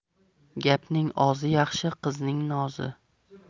gapning ozi yaxshi qizning nozi